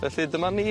Felly dyma ni...